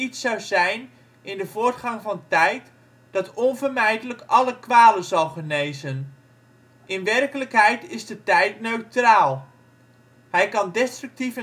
zou zijn in de voortgang van tijd dat onvermijdelijk alle kwalen zal genezen. In werkelijkheid is de tijd neutraal; hij kan destructief